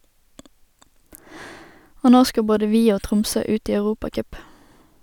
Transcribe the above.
Og nå skal både vi og Tromsø ut i europacup.